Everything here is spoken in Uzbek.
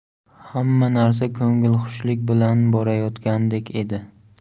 hamma narsa kongilxushlik bilan borayotgandek edi